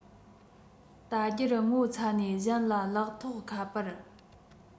ལྟ རྒྱུར ངོ ཚ ནས གཞན ལ ལག ཐོགས ཁ པར